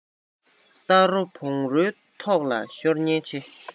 རྟ རོ བོང རོའི ཐོག ལ ཤོར ཉེན ཆེ